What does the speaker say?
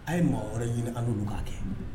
A ye mɔgɔ wɛrɛ ɲini an k'a kɛ